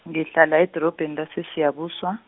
ngihlala edorobheni laseSiyabuswa.